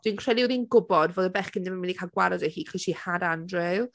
Dwi'n credu oedd hi'n gwbod fod y bechgyn ddim yn mynd i cael gwared o hi, achos she had Andrew.